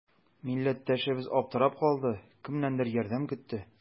Милләттәшебез аптырап калды, кемнәндер ярдәм көтте.